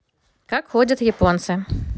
как ходят японцы